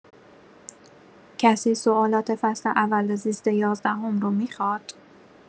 کسی سوالات فصل اول زیست یازدهم رو میخواد؟